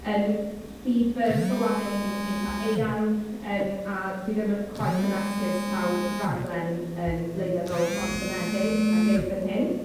Yym bydd fy sylwade i'n eitha eang, yym a dwi ddim yn chwaith yn esgus taw raglen yym wleidyddol orffenedig a geir fan hyn.